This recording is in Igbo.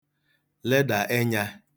ledà ẹnyā